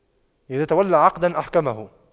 إذا تولى عقداً أحكمه